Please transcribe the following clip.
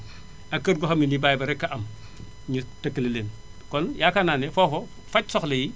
ak kër goo xam ne nii baay ba rekk a am ñu tëkkale leen kon yaakaar naa ne foofa faj soxla yi